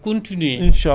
buntu ubbeeku na